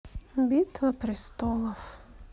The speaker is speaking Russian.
битва престолов